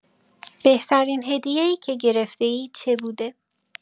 بهترین هدیه‌ای که گرفته‌ای چه بوده؟